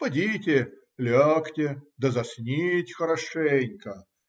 Подите, лягте да засните хорошенько.